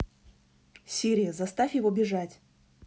сири заставь его бежать